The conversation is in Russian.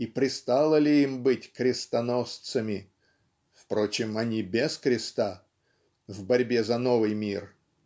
И пристало ли им быть крестоносцами (впрочем, они - без креста. ) в борьбе за новый мир?